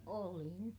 olin